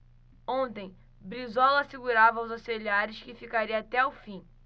ontem brizola assegurava aos auxiliares que ficaria até o fim